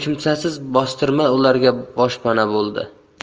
kimsasiz bostirma ularga boshpana bo'ldi